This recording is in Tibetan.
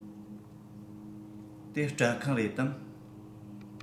དེ སྐྲ ཁང རེད དམ